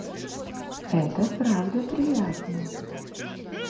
это правда приятно